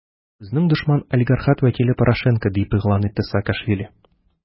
Безнең дошман - олигархат вәкиле Порошенко, - дип игълан итте Саакашвили.